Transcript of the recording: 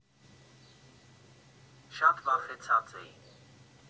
Շատ վախեցած էի։